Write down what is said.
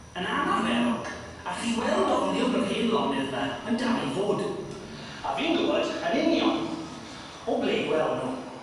Yn anarferol, allwch chi weld olion yr hen lonydd 'na yn dal i fod a fi'n gwbod yn union o ble i wel' nw.